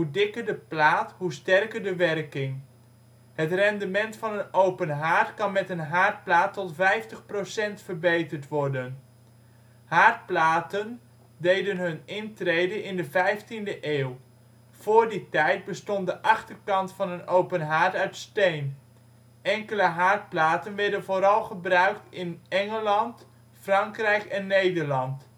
dikker de plaat, hoe sterker de werking. Het rendement van een open haard kan met een haardplaat tot 50 % verbeterd worden. Haardplaten deden hun intrede in de 15e eeuw. Voor die tijd bestond de achterkant van een open haard uit steen. Enkele haardplaten werden vooral gebruikt in Engeland, Frankrijk en Nederland